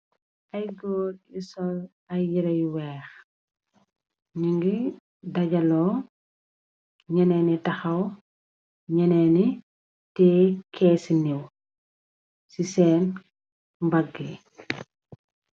Aye goor yu sul yereh yu weex nyungi tajalu nyenen yi nyungi takhaw nyenen yi teyeh kess si neew si sen mbaguh yi.